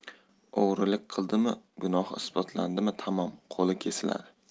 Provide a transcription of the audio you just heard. o'g'irlik qildimi gunohi isbotlandimi tamom qo'li kesiladi